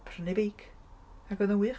prynu beic. Ac oedd o'n wych.